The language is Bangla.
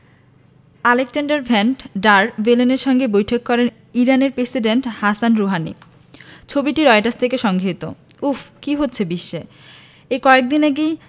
আলেক্সান্ডার ভ্যান ডার বেলেনের সঙ্গে বৈঠক করেন ইরানের প্রেসিডেন্ট হাসান রুহানি ছবিটি রয়টার্স থেকে সংগৃহীত উফ্ কী হচ্ছে বিশ্বে এই কয়েক দিন আগেই